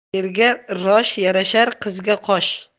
yerga rosh yarashar qizga qosh